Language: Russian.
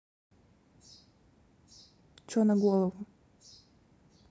че на голову